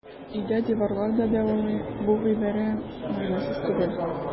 Өйдә диварлар да дәвалый - бу гыйбарә мәгънәсез түгел.